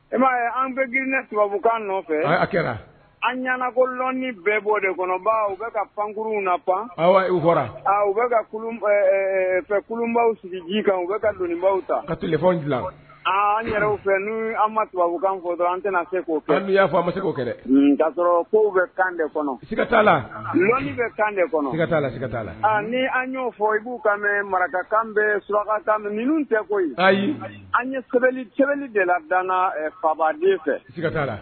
E an bɛ g nebabubukan nɔfɛ kɛra an ɲɛnaana kolɔni bɛɛ bɔ de kɔnɔ u bɛ ka fankuruurunw na pan u bɛ ka fɛ kulubaw sigi kan u bɛ kalinbaw ta ka yɛrɛ fɛ n'u an mababukan an tɛna se' an y'a fɔ an ma se' kɛ kaa sɔrɔ ko bɛ kan de kɔnɔ s la bɛ kan de la ni an y'o fɔ i b'u ka mɛn marakakan bɛ suraka tan minnu tɛ ko ayi an ye sɛbɛn sɛbɛn de ladana fabaa den fɛ